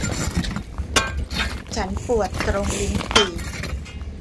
ฉันปวดตรงลิ้นปี่